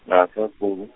na cell founu.